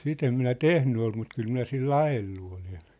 sitä en minä tehnyt ole mutta kyllä minä sillä ajellut olen